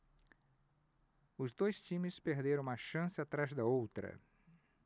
os dois times perderam uma chance atrás da outra